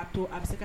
A to a bɛ se